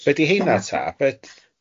Be di heina ta? Be yd?